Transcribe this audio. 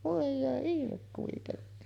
voi hyvä ihme kuitenkin